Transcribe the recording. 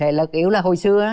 thể lực yếu là hồi xưa á